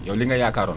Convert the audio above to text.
yow li nga yaakaaroon